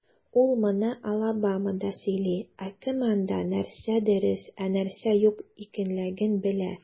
Ул моны Алабамада сөйли, ә кем анда, нәрсә дөрес, ә нәрсә юк икәнлеген белә?